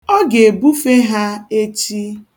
Ọ ga-ebufe ha echi.